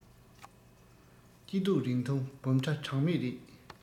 སྐྱིད སྡུག རིང ཐུང སྦོམ ཕྲ གྲངས མེད རེད